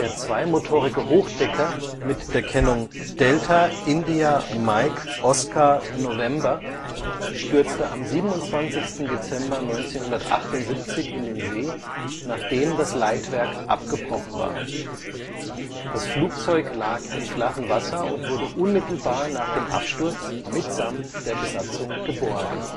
zweimotorige Hochdecker mit der Kennung D-IMON stürzte am 27. Dezember 1978 in den See, nachdem das Leitwerk abgebrochen war. Das Flugzeug lag im flachen Wasser und wurde unmittelbar nach dem Absturz mitsamt der Besatzung geborgen